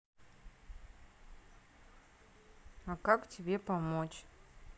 а как тебе помочь